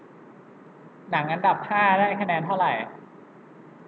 หนังอันดับห้าได้คะแนนเท่าไหร่